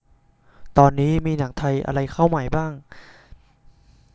ตอนนี้มีหนังไทยอะไรเข้าใหม่บ้าง